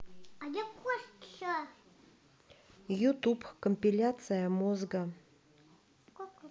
ютуб компиляция мозга